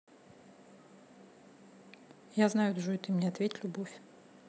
я знаю джой ты мне ответь любовь